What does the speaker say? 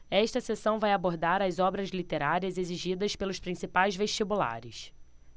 esta seção vai abordar as obras literárias exigidas pelos principais vestibulares